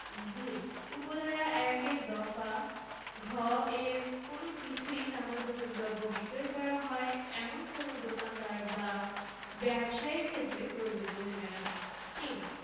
২ উপ ধারা ১ এর দফা ঘ এর কোন কিছুই তামাকজাত দ্রব্য বিক্রয় করা হয় এমন কোন দোকানদার বা ব্যবসায়ীর ক্ষেত্রে প্রযোজ্য হইবে না ৩